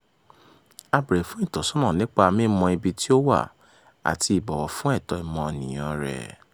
A béèrè fún ìtọ́sọ́nà nípa mímọ ibi tí ó wà, àti ìbọ̀wọ̀ fún ẹ̀tọ́ ọmọnìyàn-an rẹ̀.